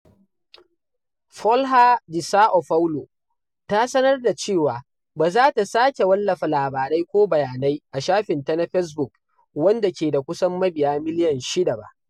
Folha de São Paulo ta sanar da cewa ba za ta sake wallafa labarai ko bayanai a shafinta na Facebook wanda ke da kusan mabiya miliyan shida ba.